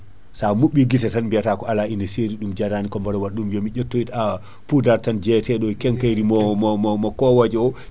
sa mubɓi tan biyata ko ala ine seeri ɗum jaarani ko baɗa waɗa ɗum yomi ƴettoy % poudre tan jeeyeteɗo e quincaillerie mo mo mo kowoje o